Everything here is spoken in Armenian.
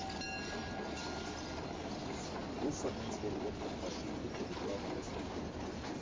Ռուսը հենց որ ոտքը քաշի, թուրքը կգա ու մեզ կուտի։